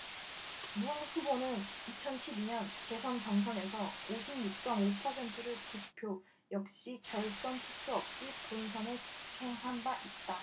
문 후보는 이천 십 이 년 대선 경선에서 오십 육 쩜 오 퍼센트를 득표 역시 결선투표 없이 본선에 직행한 바 있다